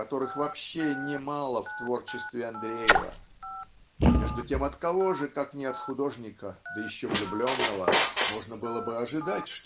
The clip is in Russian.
которых вообще немало в творчестве Андреева? Между тем от кого же как не от художника да еще влюбленного можно было бы ожидать